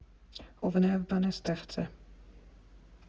Ով նաև բանաստեղծ է։